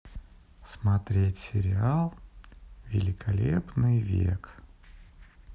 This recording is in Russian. смотреть сериал великолепный век